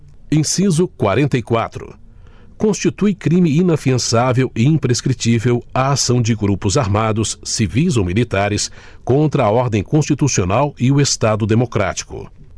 inciso quarenta e quatro constitui crime inafiançável e imprescritível a ação de grupos armados civis ou militares contra a ordem constitucional e o estado democrático